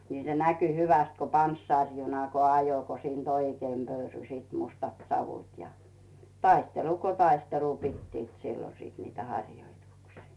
niin se näkyi hyvästi kun panssarijuna kun ajoi kun siitä oikein pöyrysivät mustat savut ja taistelu kuin taistelu pitivät silloin sitten niitä harjoituksia